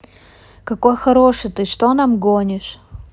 какой хороший ты что нам гонишь